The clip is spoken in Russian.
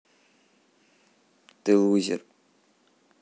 ты лузер